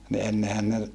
niin ennenhän ne